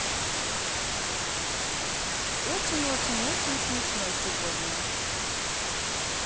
очень очень очень смешной сегодня